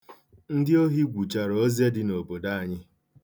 Ndị ohi gwuchara oze dị n'obodo anyị.